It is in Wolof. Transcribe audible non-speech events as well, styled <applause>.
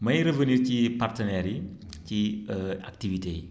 may revenir ci partenaires yi ci <smacks lips> <hesitation> activités yi